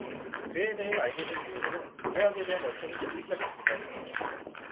그에 대해 알게 된 이후로는 의학에 대한 열정이 식기 시작했습니다